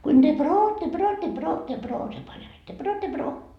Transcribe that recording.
kuinka ne brootte brootte brootte broo se pani aina että brootte broo